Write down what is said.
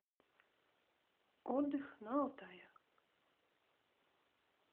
отдых на алтае